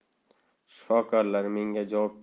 shifokorlar menga javob